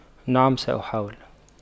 نعم سأحاول